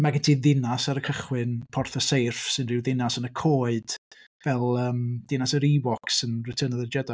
Ma' gen ti ddinas ar y cychwyn, Porth y Seirff sy'n rhyw ddinas yn y coed, fel yym dinas yr Ewoks yn Return of the Jedi.